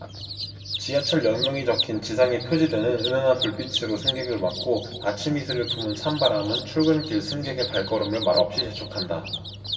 지하철 역명이 적힌 지상의 표지대는 은은한 불빛으로 승객을 맞고 아침 이슬을 품은 찬 바람은 출근길 승객의 발걸음을 말없이 재촉한다